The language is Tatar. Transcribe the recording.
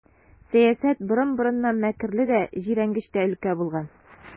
Сәясәт борын-борыннан мәкерле дә, җирәнгеч тә өлкә булган.